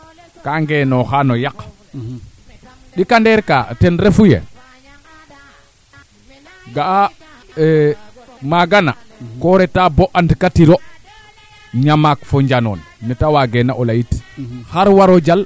axa kay no coté meteo parce que comme a nan gilaxa leene i leyoogina ndiiki o soɓanga jegiro teen o nana xoolu waaga jeg kee war'oona o aar a soɓ